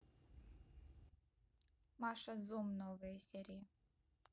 маша зум новые серии